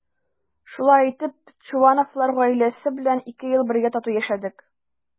Шулай итеп Чувановлар гаиләсе белән ике ел бергә тату яшәдек.